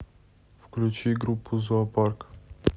включи группу зоопарк